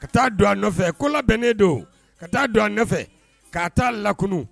Ka taa don a nɔfɛ ko la bɛnnen don ka taa don an nɔfɛ ka taa lakun